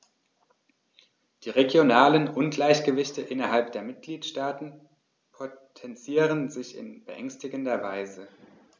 Die regionalen Ungleichgewichte innerhalb der Mitgliedstaaten potenzieren sich in beängstigender Weise.